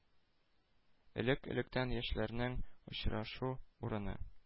Элек-электән яшьләрнең очрашу урыны.